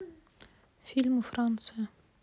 фильмы франция